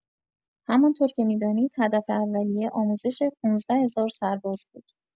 همانطور که می‌دانید، هدف اولیه، آموزش ۱۵۰۰۰ سرباز بود.